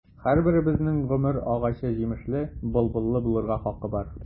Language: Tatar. Һәрберебезнең гомер агачы җимешле, былбыллы булырга хакы бар.